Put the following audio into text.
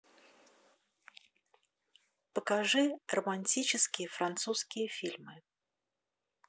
покажи романтические французские фильмы